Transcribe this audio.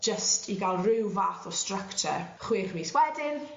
jyst i ga'l ryw fath o structure chwech mis wedyn